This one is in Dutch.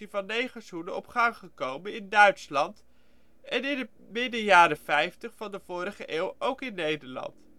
van negerzoenen op gang gekomen in Duitsland en in het midden jaren vijftig van de vorige eeuw ook in Nederland